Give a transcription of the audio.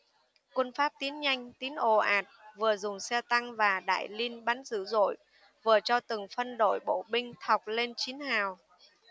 quân pháp tiến nhanh tiến ồ ạt vừa dùng xe tăng và đại liên bắn dữ dội vừa cho từng phân đội bộ binh thọc lên chiến hào